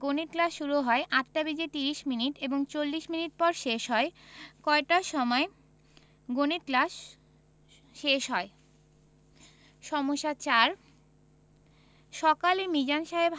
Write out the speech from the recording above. গণিত ক্লাস শুরু হয় ৮টা বেজে ৩০ মিনিট এবং ৪০ মিনিট পর শেষ হয় কয়টার সময় গণিত ক্লাস শেষ হয় সমস্যা ৪ সকালে মিজান সাহেব